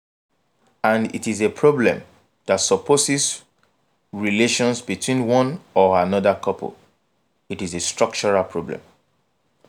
And it is a problem that supposes relations between one or another couple — it is a structural problem.